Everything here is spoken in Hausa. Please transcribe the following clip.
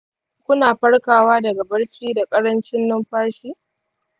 kuna farkawa daga barci da ƙarancin numfashi?"